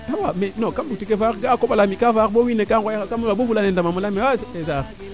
non kam bug tiye faax ga'a a koɓalaami kaa faax bo wiin we ngoyaxam kam moof bo fulane wemi ndamaam a leyaame a